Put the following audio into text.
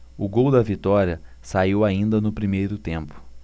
o gol da vitória saiu ainda no primeiro tempo